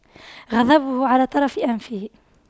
غضبه على طرف أنفه